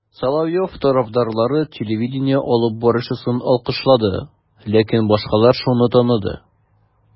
Соловьев тарафдарлары телевидение алып баручысын алкышлады, ләкин башкалар шуны таныды: